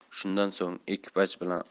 shundan so'ng ekipaj bilan